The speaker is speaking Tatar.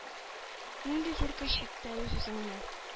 Нинди зур көч читтә үз-үзеңне